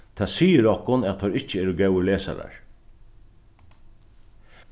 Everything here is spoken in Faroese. tað sigur okkum at teir ikki eru góðir lesarar